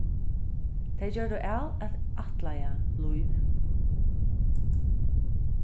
tey gjørdu av at ættleiða lív